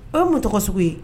O ye mun tɔgɔ sugu ye